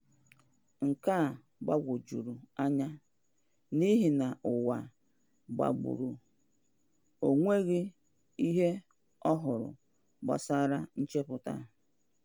Nke a gbagwojurukwara anya, n'ihi na n'ụwa gbagburu, o nweghị ihe ọhụrụ gbasara nchepụta a.